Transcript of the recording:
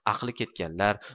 aqli ketganlar